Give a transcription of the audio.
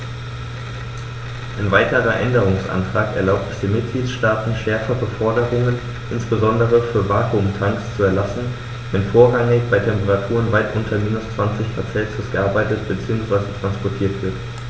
Ein weiterer Änderungsantrag erlaubt es den Mitgliedstaaten, schärfere Forderungen, insbesondere für Vakuumtanks, zu erlassen, wenn vorrangig bei Temperaturen weit unter minus 20º C gearbeitet bzw. transportiert wird.